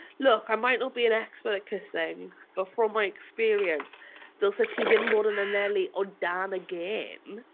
Look I might not be an expert at kissing but from my experience dylse ti ddim bod yn anelu o dan y gen.